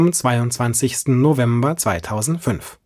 22. November 2005